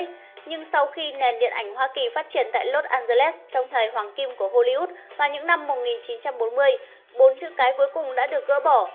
nhưng sau khi nền điện ảnh hoa kỳ phát triển tại los angeles trong thời hoàng kim của hollywood vào những năm chữ cái cuối cùng đã được gỡ bỏ